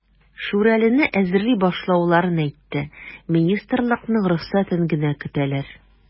"шүрәле"не әзерли башлауларын әйтте, министрлыкның рөхсәтен генә көтәләр.